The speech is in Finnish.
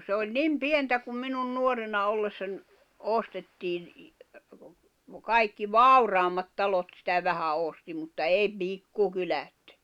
se oli niin pientä kun minun nuorena ollessani ostettiin kaikki vauraammat talot sitä vähän osti mutta ei pikkukylät